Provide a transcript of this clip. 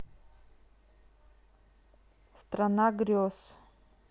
страна грез